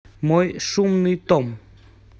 мой шумный том